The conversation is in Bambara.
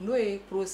N'o ye kulu